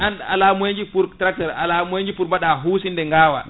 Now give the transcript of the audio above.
an a ala moyen ji pour traite a ala moyen ji pour mbaɗa hussinde gawa